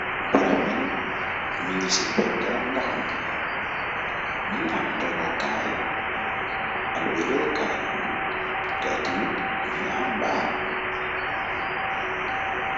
barab bi mi ngi ci peggaar ndox mi mi ngi am togokaay ak wédookaay té aytamit mi ngi am baar